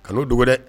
A n'o dogo dɛ